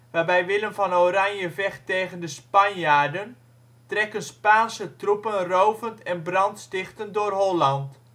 waarbij Willem van Oranje vecht tegen de Spanjaarden, trekken Spaanse troepen rovend en brand stichtend door Holland